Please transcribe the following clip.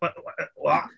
Wha- wha- uh wha-?